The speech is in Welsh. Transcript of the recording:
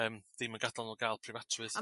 yym ddim yn gada'l n'w ga'l preifatrwydd.